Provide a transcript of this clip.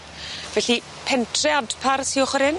Felly pentre Adpar sy ochor 'yn?